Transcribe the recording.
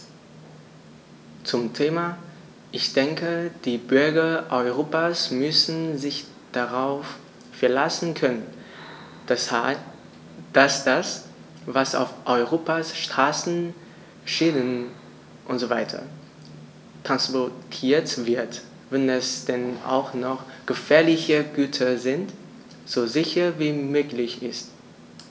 Zum Thema: Ich denke, die Bürger Europas müssen sich darauf verlassen können, dass das, was auf Europas Straßen, Schienen usw. transportiert wird, wenn es denn auch noch gefährliche Güter sind, so sicher wie möglich ist.